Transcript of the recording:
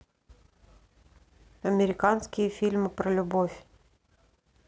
американские фильмы про любовь